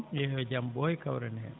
eeyi yo jam ɓooy kawren heen